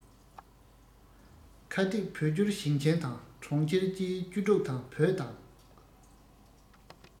ཁ གཏད བོད སྐྱོར ཞིང ཆེན དང གྲོང ཁྱེར བཅས བཅུ དྲུག དང བོད དང